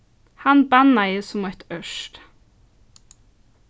hann bannaði sum eitt ørt